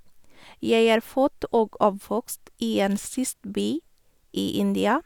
Jeg er født og oppvokst i en by i India.